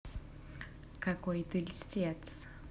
какой ты льстец